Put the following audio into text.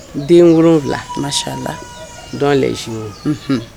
Den wolonwula ma sala dɔn